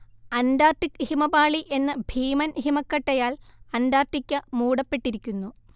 Antarctic ഹിമപാളി എന്ന ഭീമൻ ഹിമക്കട്ടയാൽ അന്റാർട്ടിക്ക മൂടപ്പെട്ടിരിക്കുന്നു